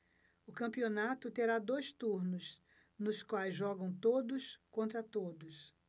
o campeonato terá dois turnos nos quais jogam todos contra todos